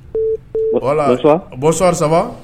Bɔsɔn saba